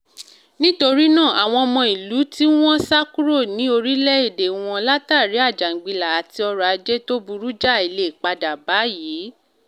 Nítorí náà, àwọn ọmọ ìlú tí wọ́n sá kúrò ní orílẹ̀-èdè wọn látàrí àjàngbilà àti ọrọ̀-ajé tó buŕ jáì lè padà padà báyìí.